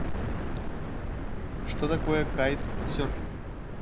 что такое кайт серфинг